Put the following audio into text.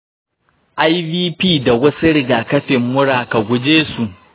ivp da wasu rigakafin mura. ka guje su.